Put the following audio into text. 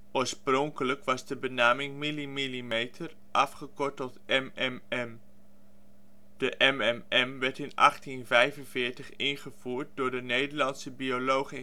Oorspronkelijk was de benaming millimillimeter mmm. De mmm werd in 1845 ingevoerd door de Nederlandse bioloog